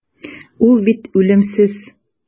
Ул бит үлемсез.